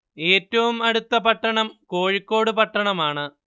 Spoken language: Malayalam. ഏറ്റവും അടുത്ത പട്ടണം കോഴിക്കോട് പട്ടണമാണ്